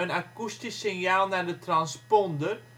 akoestisch signaal naar de transponder